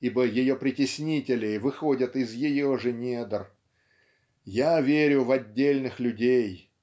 ибо ее притеснители выходят из ее же недр. Я верю в отдельных людей